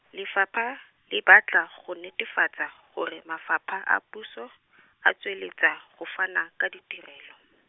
lefapha, le batla, go netefatsa, gore mafapha a puso, a tswelela, go fana, ka ditirelo.